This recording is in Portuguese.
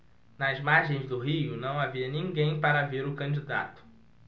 nas margens do rio não havia ninguém para ver o candidato